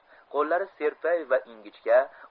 qo'llari serpay va ingichka